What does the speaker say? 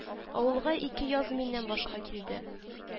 Авылга ике яз миннән башка килде